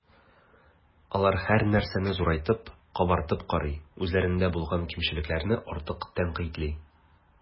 Алар һәрнәрсәне зурайтып, “кабартып” карый, үзләрендә булган кимчелекләрне артык тәнкыйтьли.